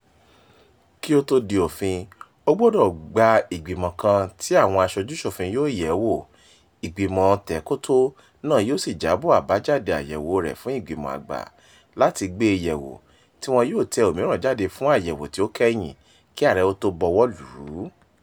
Kí ó tó di òfin, ó gbọdọ̀ gba ìgbìmọ̀ kan tí àwọn aṣojú-ṣòfin yóò yẹ̀ ẹ́ wò. Ìgbìmọ̀ọtẹ̀ẹ́kótó náà yóò sì jábọ̀ àbájáde àyẹ̀wòo rẹ̀ fún Ìgbìmọ̀ àgbà, láti gbé e yẹ̀ wò, tí wọn yóò tẹ òmíràn jáde fún àyẹ̀wò tí ó kẹ́yìn, kí ààrẹ ó tó bu ọwọ́ lù ú.